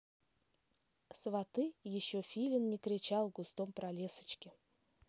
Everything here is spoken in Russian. сваты еще филин не кричал в густом пролесочке